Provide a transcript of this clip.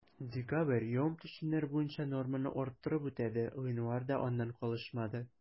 Декабрь явым-төшемнәр буенча норманы арттырып үтәде, гыйнвар да аннан калышмады.